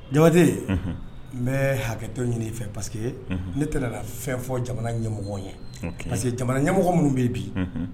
Jabate, unhun, n bɛ hakɛto ɲini i fɛ parce que ne tɛna na fɛn fɔ jamana ɲɛmɔgɔw ye parce que jamanaɲɛmɔgɔ minnu bɛ yen bi